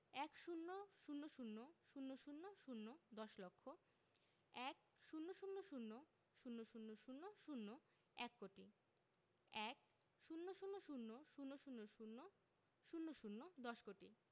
১০০০০০০ দশ লক্ষ ১০০০০০০০ এক কোটি ১০০০০০০০০ দশ কোটি